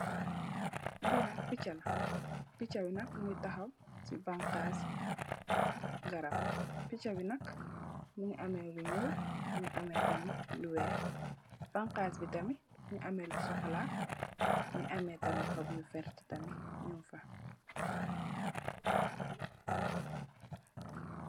Li nak picxa la piscxa bi nak mongi taxaw si banxasi garab piscxa nak mongi ame lu nuul mongi ame tamit lu weex banxas bi tamit mongi ame lu cxocola mongi ame tamit xoop yu werta tamit nyun fa.